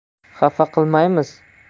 xafa qilmaymiz